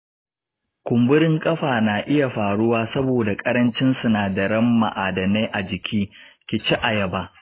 ƙumburin ƙafa na iya faruwa saboda ƙarancin sinadaran ma’adinai a jiki ; ki ci ayaba.